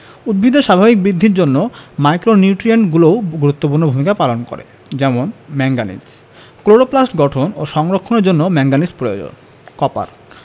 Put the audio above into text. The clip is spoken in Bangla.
উদ্ভিদের স্বাভাবিক বৃদ্ধির জন্য মাইক্রোনিউট্রিয়েন্টগুলোও গুরুত্বপূর্ণ ভূমিকা পালন করে যেমন ম্যাংগানিজ ক্লোরোপ্লাস্ট গঠন ও সংরক্ষণের জন্য ম্যাংগানিজ প্রয়োজন কপার